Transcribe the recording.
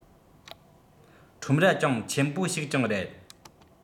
ཁྲོམ ར ཅུང ཆེན པོ ཞིག ཀྱང རེད